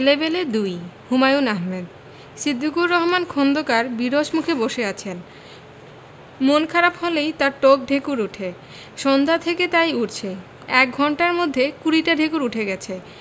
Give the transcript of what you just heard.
এলেবেলে ২ হুমায়ূন আহমেদ সিদ্দিকুর রহমান খন্দকার বিরস মুখে বসে আছেন মন খারাপ হলেই তাঁর টক ঢেকুর ওঠে সন্ধ্যা থেকে তাই উঠছে এক ঘণ্টার মধ্যে কুড়িটা ঢেকুর উঠে গেছে